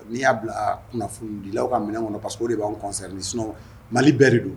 N'i y'a bila kunnafonidilaw ka minɛn kɔnɔ parce que o de b'anw concerné sinon Mali bɛɛ de don